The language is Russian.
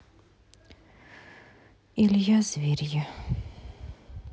илья зверье